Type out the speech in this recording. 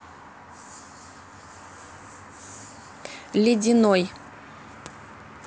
ледяной